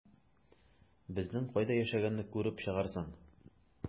Безнең кайда яшәгәнне күреп чыгарсың...